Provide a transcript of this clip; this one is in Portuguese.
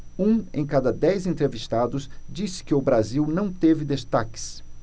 um em cada dez entrevistados disse que o brasil não teve destaques